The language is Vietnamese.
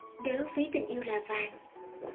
nếu ví tình yêu là vàng